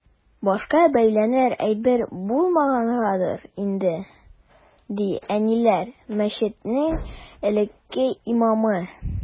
Башка бәйләнер әйбер булмагангадыр инде, ди “Әниләр” мәчетенең элекке имамы.